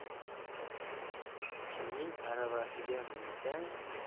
kimning aravasiga minsang